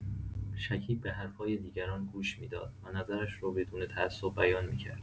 شکیب به حرفای دیگران گوش می‌داد و نظرش رو بدون تعصب بیان می‌کرد.